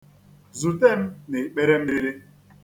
Zute m n'ikperemmiri.